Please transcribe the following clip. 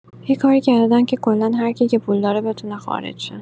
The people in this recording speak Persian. یه کاری کردن که کلا هر کی که پول داره بتونه خارج شه.